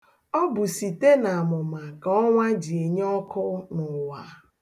Ọ bụ site n'amụma ka ọnwa ji enye ọkụ n'ụwa.